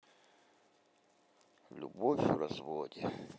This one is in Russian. любовь в разводе